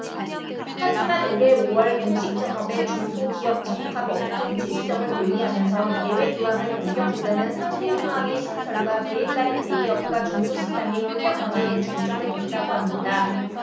하지만 올해 오 월 음식점업의 중소기업적합업종 재지정을 논의하면서 예외조항을 변경보다는 상생 조항의 신설과 그에 따른 대기업과 중소식당의 협력 방안에 중점을 뒀다고 합니다